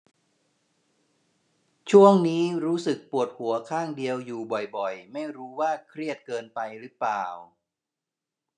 ช่วงนี้รู้สึกปวดหัวข้างเดียวอยู่บ่อยบ่อยไม่รู้ว่าเครียดเกินไปหรือเปล่า